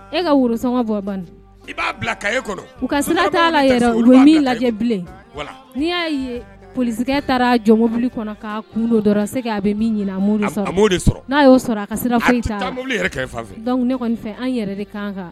E ka worosɔngɔ bɔ ban ia ka lajɛ bilen n'i'a p taara jɔnbili kɔnɔse a bɛ min'a ne kan